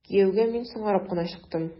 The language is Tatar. Кияүгә мин соңарып кына чыктым.